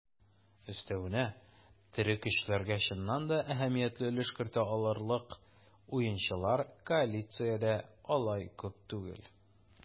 Өстәвенә, тере көчләргә чыннан да әһәмиятле өлеш кертә алырлык уенчылар коалициядә алай күп түгел.